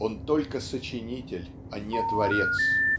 Он только сочинитель, а не творец.